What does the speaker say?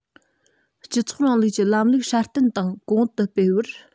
སྤྱི ཚོགས རིང ལུགས ཀྱི ལམ ལུགས སྲ བརྟན དང གོང དུ སྤེལ བར